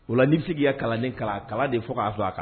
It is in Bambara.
O la n’i bɛ se k’i ka kalanden a de kalan fo ka to